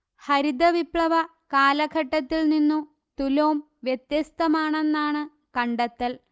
ഹരിത വിപ്ലവ കാലഘട്ടത്തിൽ നിന്നു തുലോം വ്യത്യസ്തമാണെന്നാണ് കണ്ടെത്തൽ